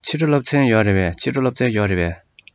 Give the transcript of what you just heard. ཕྱི དྲོ སློབ ཚན ཡོད རེད པས